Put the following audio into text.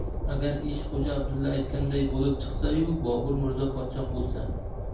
agar ish xo'ja abdulla aytganday bo'lib chiqsa yu bobur mirzo podshoh bo'lsa